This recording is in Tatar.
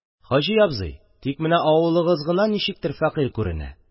– хаҗи абзый, тик менә авылыгыз ничектер фәкыйрь күренә.